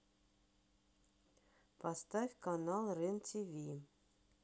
поставь канал рен тв